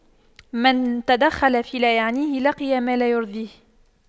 من تدخل فيما لا يعنيه لقي ما لا يرضيه